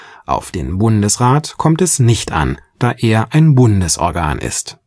Auf den Bundesrat kommt es nicht an, da er Bundesorgan ist